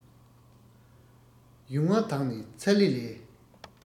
ཡུང བ དང ནི ཚ ལེ ལས